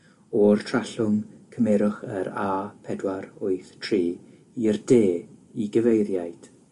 O'r Trallwng cymerwch yr a pedwar wyth tri i'r de i gyfeiriaid